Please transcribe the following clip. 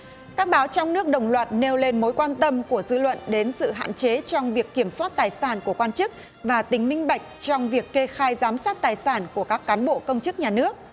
các báo trong nước đồng loạt nêu lên mối quan tâm của dư luận đến sự hạn chế trong việc kiểm soát tài sản của quan chức và tính minh bạch trong việc kê khai giám sát tài sản của các cán bộ công chức nhà nước